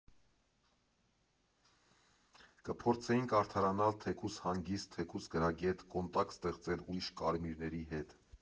Կփորձեինք արդարանալ, թեկուզ՝ հանգիստ, թեկուզ՝ գրագետ, կոնտակտ ստեղծել ուրիշ կարմիրների հետ։